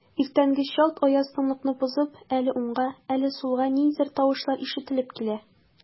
Иртәнге чалт аяз тынлыкны бозып, әле уңда, әле сулда ниндидер тавышлар ишетелеп китә.